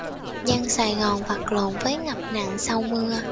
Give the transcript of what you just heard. dân sài gòn vật lộn với ngập nặng sau mưa